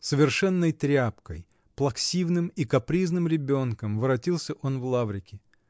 Совершенной тряпкой, плаксивым и капризным ребенком воротился он в Лаврики.